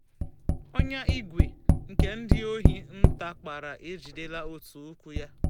Ọnyà ígwè nke ndị ohi nta kpara ejidela otu ụkwụ ya.